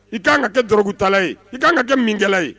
I k kan ka kɛɔrɔkutala ye i ka kan ka kɛ minkɛla ye